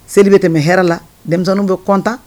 Seli bɛ tɛmɛ hɛrɛɛ la denmisɛnnin bɛ kɔntan